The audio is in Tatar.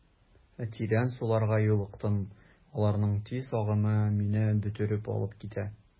Тирән суларга юлыктым, аларның тиз агымы мине бөтереп алып китә.